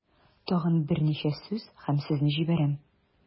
Тагын берничә сүз һәм сезне җибәрәм.